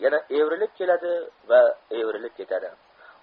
yana evrilib keladi va evrilib ketadi